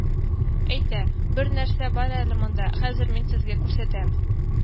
Әйтә: «бернәрсә бар әле монда, хәзер мин сезгә күрсәтәм»,